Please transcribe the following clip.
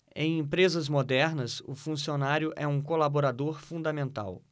em empresas modernas o funcionário é um colaborador fundamental